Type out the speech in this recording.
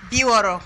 Bi wɔɔrɔ